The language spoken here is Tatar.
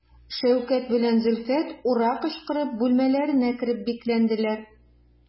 Шәүкәт белән Зөлфәт «ура» кычкырып бүлмәләренә кереп бикләнделәр.